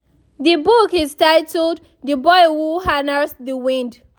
The book is titled The Boy who Harnessed the Wind.